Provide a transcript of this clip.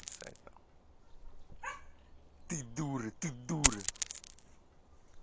ты дура ты дура